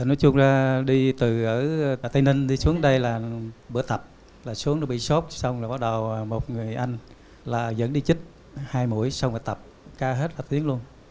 nói chung là đi từ ở tây ninh đi xuống đây là bữa tập là xuống đã bị sốt xong rồi bắt đầu một người anh là dẫn đi chích hai mũi xong là tập ca hết cả tiếng luôn